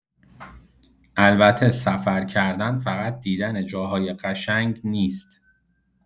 البته سفر کردن فقط دیدن جاهای قشنگ نیست.